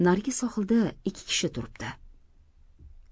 narigi sohilda ikki kishi turibdi